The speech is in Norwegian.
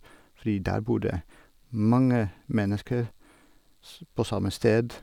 Fordi der bor det mange mennesker s på samme sted.